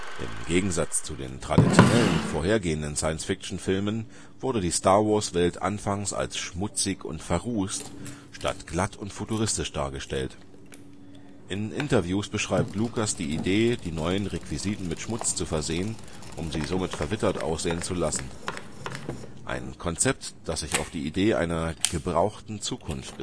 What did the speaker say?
Im Gegensatz zu den traditionellen vorhergehenden Science-Fiction-Filmen wurde die Star-Wars-Welt anfangs als schmutzig und verrußt statt glatt und futuristisch dargestellt. In Interviews beschreibt Lucas die Idee, die neuen Requisiten mit Schmutz zu versehen, um sie somit verwittert aussehen zu lassen. Ein Konzept, das sich auf die Idee einer „ gebrauchten Zukunft